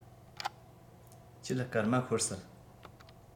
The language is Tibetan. ཁྱེད སྐར མ ཤོར སྲིད